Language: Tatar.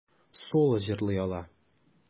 Соло җырлый ала.